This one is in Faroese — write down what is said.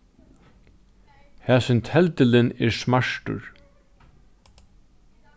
hasin teldilin er smartur